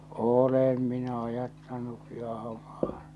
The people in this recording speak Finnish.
olen minä ajattanutkin ahmaa